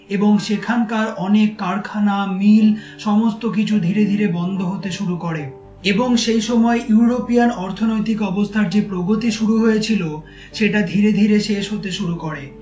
এবং সেখানকার অনেক কারখানা মিল সমস্ত কিছু ধীরে ধীরে বন্ধ হতে শুরু করে এবং সেই সময় ইউরোপিয়ান অর্থনৈতিক অবস্থার যে প্রগতি শুরু হয়েছিল সেটা ধীরে ধীরে শেষ হতে শুরু করে